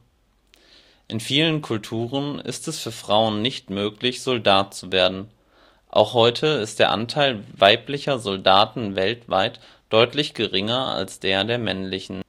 In vielen Kulturen ist es für Frauen nicht möglich Soldat zu werden. Auch heute ist der Anteil weiblicher Soldaten weltweit deutlich geringer als der der männlichen